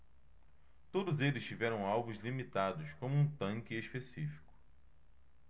todos eles tiveram alvos limitados como um tanque específico